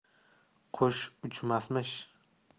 qush uchmasmish